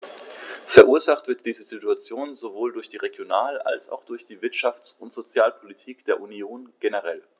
Verursacht wird diese Situation sowohl durch die Regional- als auch durch die Wirtschafts- und Sozialpolitik der Union generell.